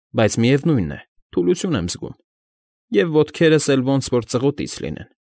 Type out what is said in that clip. Բայց, միևնույն է, թուլություն եմ զգում, և ոտքերս էլ ոնց որ ծղոտից լինեն։ ֊